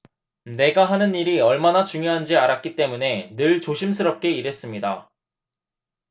내가 하는 일이 얼마나 중요한지 알았기 때문에 늘 조심스럽게 일했습니다